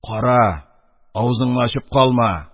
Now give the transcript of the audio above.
Кара, авызыңны ачып калма!